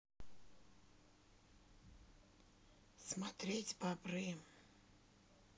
смотреть бобры